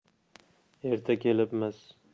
erta kelibmiz